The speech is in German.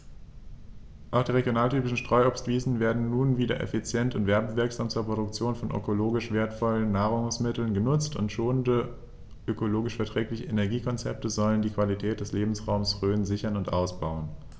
Auch die regionaltypischen Streuobstwiesen werden nun wieder effizient und werbewirksam zur Produktion von ökologisch wertvollen Nahrungsmitteln genutzt, und schonende, ökologisch verträgliche Energiekonzepte sollen die Qualität des Lebensraumes Rhön sichern und ausbauen.